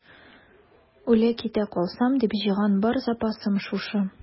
Үлә-китә калсам дип җыйган бар запасым шушы.